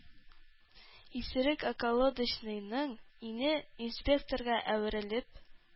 Исерек околодочныйның өне инспекторга әверелеп: